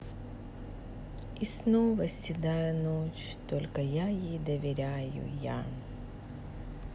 и снова седая ночь только я ей доверяю я